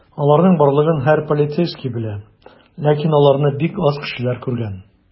Аларның барлыгын һәр полицейский белә, ләкин аларны бик аз кешеләр күргән.